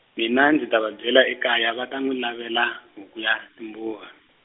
mina ndzi ta va byela ekaya va ta nwi lavela, huku ya, timbuva.